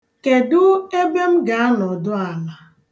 Kedụ ebe m ga-anọdụ ala?